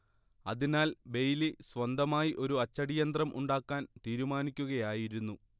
അതിനാൽ ബെയ്ലി സ്വന്തമായി ഒരു അച്ചടിയന്ത്രം ഉണ്ടാക്കാൻ തീരുമാനിക്കുകയായിരുന്നു